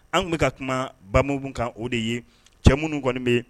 Anw bɛka ka kuma banmuru kan o de ye cɛ minnu kɔniɔni bɛ yen